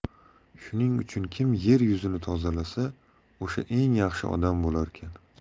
shuning uchun kim yer yuzini tozalasa o'sha eng yaxshi odam bo'larkan